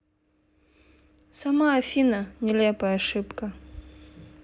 сама афина нелепая ошибка